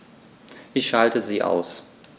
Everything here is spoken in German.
Ich schalte sie aus.